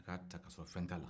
a ka ta kasɔrɔ fɛn t'a la